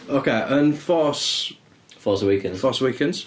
Ocê, yn Force... Force Awakens. ...Force Awakens.